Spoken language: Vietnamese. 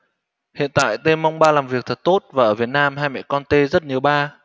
hiện tại t mong ba làm việc thật tốt và ở việt nam hai mẹ con t rất nhớ ba